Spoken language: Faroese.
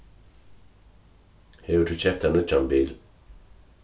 hevur tú keypt tær nýggjan bil